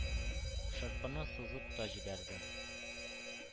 Шырпыны сызып та җибәрдем.